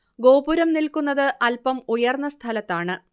ഗോപുരം നിൽക്കുന്നത് അല്പം ഉയർന്ന സ്ഥലത്താണ്